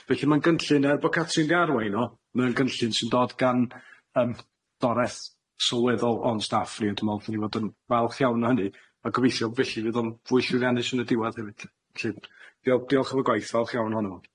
Felly ma'n gynllun er bo' Catrin 'di arwain o, ma'n gynllun sy'n dod gan yym dorreth sylweddol o'n staff ni a dwi me'wl bo' ni fod yn falch iawn o hynny a gobeithio felly fydd o'n fwy llwyddiannus yn y diwadd hefyd lly, diolch diolch am y gwaith, falch iawn ohonno fo.